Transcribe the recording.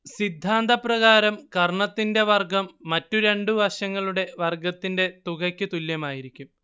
സിദ്ധാന്തപ്രകാരം കർണ്ണത്തിന്റെ വർഗ്ഗം മറ്റു രണ്ടു വശങ്ങളുടെ വർഗ്ഗത്തിന്റെ തുകയ്ക്കു തുല്യമായിരിക്കും